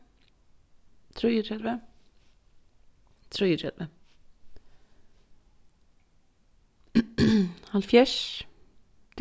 trýogtretivu trýogtretivu hálvfjerðs